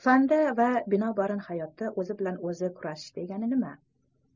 fanda va umuman hayotda o'zi bilan o'zi kurashish degani nima